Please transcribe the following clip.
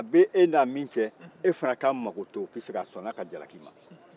a bɛ e n' min cɛ e fana k'a mako to pisik'a sɔnna a ka jalaki ma